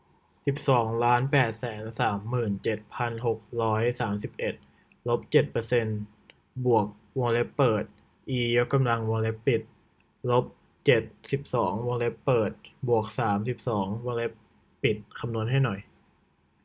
สิบสองล้านแปดแสนสามหมื่นเจ็ดพันหกร้อยสามสิบเอ็ดลบเจ็ดเปอร์เซนต์บวกวงเล็บเปิดอียกกำลังวงเล็บปิดลบเจ็ดสิบสองวงเล็บเปิดบวกสามสิบสองวงเล็บปิดคำนวณให้หน่อย